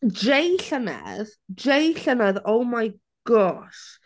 Jay llynedd... Jay llynedd oh my gosh.